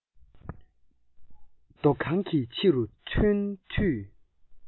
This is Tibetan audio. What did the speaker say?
རྡོ ཁང གི ཕྱི རུ ཐོན དུས